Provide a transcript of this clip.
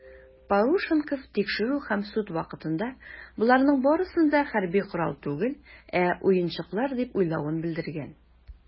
Парушенков тикшерү һәм суд вакытында, боларның барысын да хәрби корал түгел, ә уенчыклар дип уйлавын белдергән.